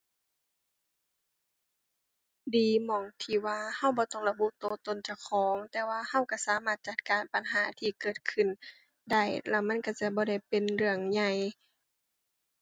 ดีหม้องที่ว่าเราบ่ต้องระบุเราตนเจ้าของ แต่ว่าเราเราสามารถจัดการปัญหาที่เกิดขึ้นได้ แล้วมันเราจะบ่ได้เป็นเรื่องใหญ่